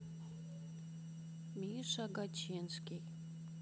миша гачинский